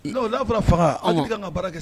Donc n'a fɔra ko fanga, hakili k'a kan ka baara kɛ.